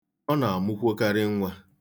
Ọ na-amụkwokarị nwa.